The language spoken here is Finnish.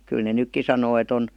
kyllä ne nytkin sanoo että on